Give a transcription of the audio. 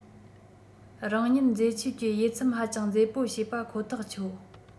རང ཉིད མཛེས འཆོས གྱི དབྱེ མཚམས ཧ ཅང མཛེས པོ བྱེད པ ཁོ ཐག ཆོད